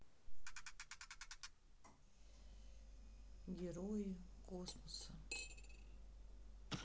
герои космоса